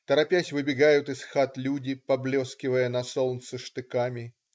Торопясь, выбегают из хат люди, поблескивая на солнце штыками.